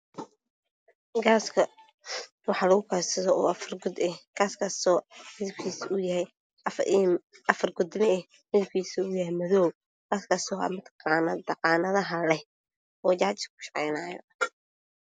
Gaaska waxa lagu keydsado oo Afar god ah, gaaskaasow midibkiisu uu yahay Afaiin Afar Godle ah, midibkiisu yahay madow Gaaskaasow ma taqana Qaanadaha leh oo jaajarka ku shaqenaya